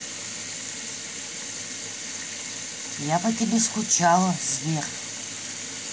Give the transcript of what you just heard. я по тебе скучала сбер